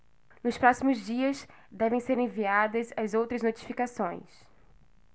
nos próximos dias devem ser enviadas as outras notificações